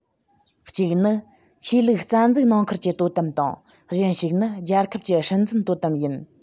གཅིག ནི ཆོས ལུགས རྩ འཛུགས ནང ཁུལ གྱི དོ དམ དང གཞན ཞིག ནི རྒྱལ ཁབ ཀྱི སྲིད འཛིན དོ དམ ཡིན